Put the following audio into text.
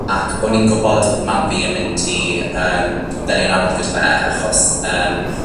Ac o'n i'n gwbod odd mam fi yn mynd i yym ddelio'n anodd gyda fe achos yym